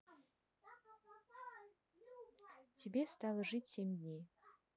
тебе стало жить семь дней